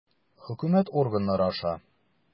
Хөкүмәт органнары аша.